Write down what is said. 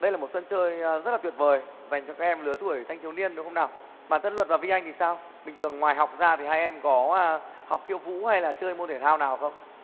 đây là một sân chơi rất là tuyệt vời dành cho các em lứa tuổi thanh thiếu niên đúng không nào bản thân luật và vi anh thì sao bình thường ngoài học ra thì hai em có học khiêu vũ hay là chơi môn thể thao nào không